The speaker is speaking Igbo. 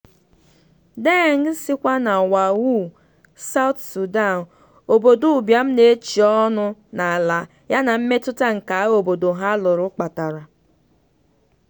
Deng sikwa na Wau, South Sudan, obodo ụbịam na-eshiela ọnụ n’ala yana mmetụta nke agha obodo ha lụrụ kpatara